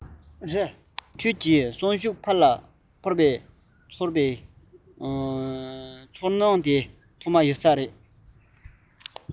ཁྱོད ཀྱིས གསོན ཤུགས འཕར བའི ཚོར བའི མྱོང བྱང ཐོག མར དགོད ས དེ